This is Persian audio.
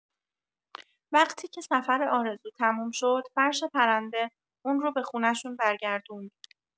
وقتی که سفر آرزو تموم شد، فرش پرنده اون رو به خونه‌شون برگردوند.